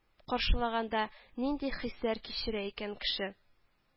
Каршылаганда нинди хисләр кичерә икән кеше